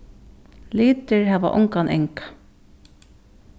litir hava ongan anga